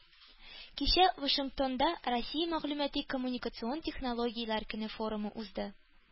Кичә Вашингтонда “Россия мәгълүмати-коммуникацион технологияләр көне” форумы узды.